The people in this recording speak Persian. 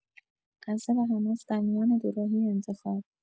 غزه و حماس درمیان دوراهی انتخاب؟